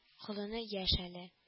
– колыны яшь әле